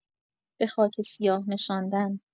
به خاک سیاه نشاندن